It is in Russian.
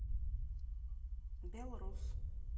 белрос